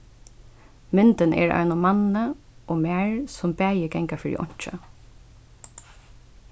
myndin er av einum manni og mær sum bæði ganga fyri einki